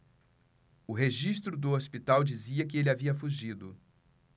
o registro do hospital dizia que ele havia fugido